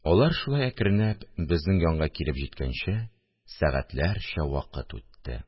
Алар шулай әкренләп безнең янга килеп җиткәнче, сәгатьләрчә вакыт үтте